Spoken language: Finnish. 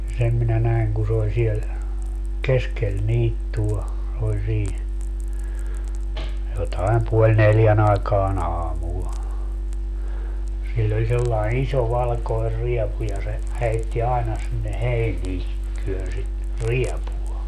ja sen minä näin kun se oli siellä keskellä niittyä oli siinä jotakin puoli neljän aikaan aamulla sillä oli sellainen iso valkoinen riepu ja se heitti aina sinne heiniä työnsi riepua